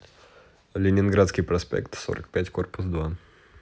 ленинградский проспект сорок пять корпус два